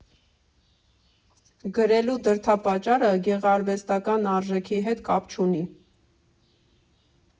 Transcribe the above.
Գրելու դրդապատճառը գեղարվեստական արժեքի հետ կապ չունի։